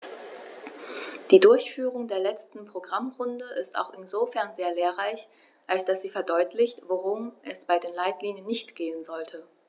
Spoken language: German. Die Durchführung der letzten Programmrunde ist auch insofern sehr lehrreich, als dass sie verdeutlicht, worum es bei den Leitlinien nicht gehen sollte.